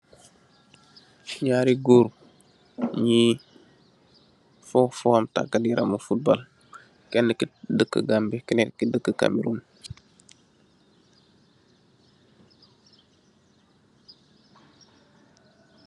Ñaari goor yuy foo, di futbal. Keenë ki dëkë Gambi, keenë ki dëkë Cameeruun.